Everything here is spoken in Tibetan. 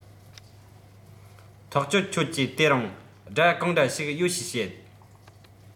ཐག ཆོད ཁྱོད ཀྱིས དེ རིང སྒྲ གང འདྲ ཞིག ཡོད ཞེས བཤད